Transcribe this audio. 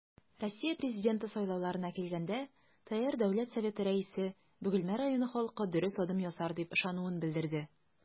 Россия Президенты сайлауларына килгәндә, ТР Дәүләт Советы Рәисе Бөгелмә районы халкы дөрес адым ясар дип ышануын белдерде.